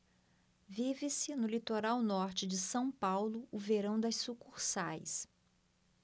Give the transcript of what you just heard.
vive-se no litoral norte de são paulo o verão das sucursais